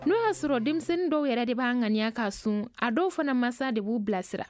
n'o y'a sɔrɔ denmisɛnnin dɔw yɛrɛ de bɛ a ŋaniya ka sun a dɔw fana masa de b'u bilasira